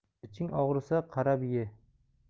iching og'risa qarab ye